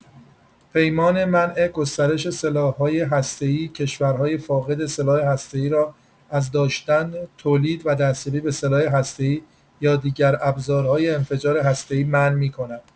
پیمان منع گسترش سلاح‌های هسته‌ای، کشورهای فاقد سلاح هسته‌ای را از داشتن، تولید و دستیابی به سلاح هسته‌ای یا دیگر ابزارهای انفجار هسته‌ای منع می‌کند.